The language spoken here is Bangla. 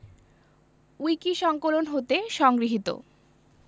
উইকিসংকলন হতে সংগৃহীত